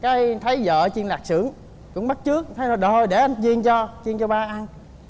cái thấy dợ chiên lạp xưởng cũng bắt chước thế rồi để anh chiên cho chiên cho ba ăn